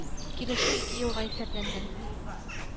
Соңыннан тагын кабул иттеләр.